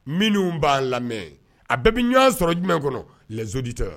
Minnu b'a lamɛn a bɛɛ bɛ ɲɔgɔn sɔrɔ jumɛn kɔnɔ zodi tɛ